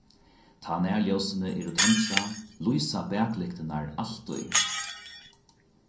tá nærljósini eru tendrað lýsa baklyktirnar altíð